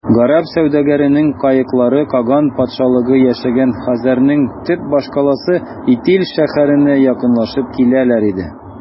Гарәп сәүдәгәренең каеклары каган патшалыгы яшәгән хәзәрнең төп башкаласы Итил шәһәренә якынлашып киләләр иде.